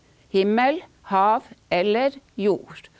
himmel, hav eller jord.